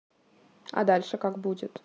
а дальше как будет